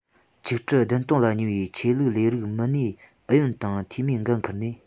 ཆིག ཁྲི བདུན སྟོང ལ ཉེ བའི ཆོས ལུགས ལས རིགས མི སྣའི ཨུ ཡོན དང འཐུས མིས འགན ཁུར ནས